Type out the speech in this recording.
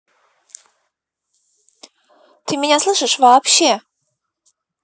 ты меня слышишь вообще